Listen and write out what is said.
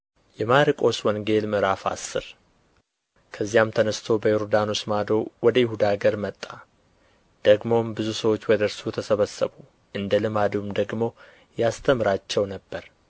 የማርቆስ ወንጌል ምዕራፍ አስር ከዚያም ተነሥቶ በዮርዳኖስ ማዶ ወደ ይሁዳ አገር መጣ ደግሞም ብዙ ሰዎች ወደ እርሱ ተሰበሰቡ እንደ ልማዱም ደግሞ ያስተምራቸው ነበር